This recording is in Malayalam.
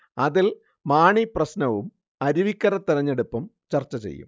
അതിൽ മാണി പ്രശ്നവും അരുവിക്കര തെരഞ്ഞെടുപ്പും ചർച്ചചെയ്യും